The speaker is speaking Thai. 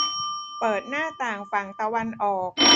เปิดหน้าต่างฝั่งตะวันออก